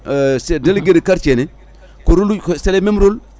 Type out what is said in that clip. délégué de quartier ni ko rôle uji c' est les même rôle